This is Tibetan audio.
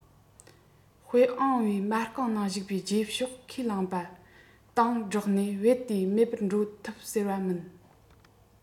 དཔེ ཨང པའི མ རྐང ནང ཞུགས པའི རྗེས ཕྱོགས ཁས བླངས པ དང སྦྲགས ནས རྦད དེ མེད པར འགྲོ ཐུབ ཟེར བ མིན